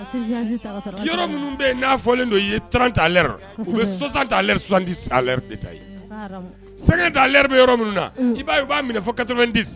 yɔrɔ minnu be ye n'a fɔlen d'o i ye 30 à l'heure kosɛbɛ u be 60 à l'heure 70 à l'heure de ta ye ka haramu 50 à l'heure bɛ yɔrɔ minnu na unhun i b'a ye u b'a minɛ fo 90